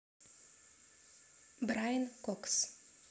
брайан кокс